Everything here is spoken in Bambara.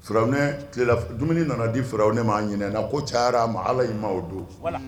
Fararawɛ tilela dumuni nana di fararawwɛ ma ɲ na ko ca a ma alayi ma o don